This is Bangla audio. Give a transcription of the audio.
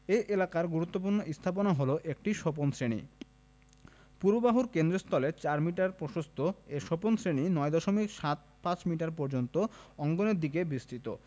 এ এলাকার গুরুত্বপূর্ণ স্থাপনা হলো একটি সোপান শ্রেণি পূর্ব বাহুর কেন্দ্রস্থলে ৪ মিটার প্রশস্ত এ সোপান শ্রেণি ৯ দশমিক সাত পাঁচ মিটার পর্যন্ত অঙ্গনের দিকে বিস্তৃত